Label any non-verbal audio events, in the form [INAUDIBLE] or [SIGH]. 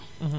[HESITATION] [HESITATION]